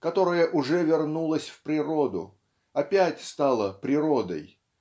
которое уже вернулось в природу опять стало природой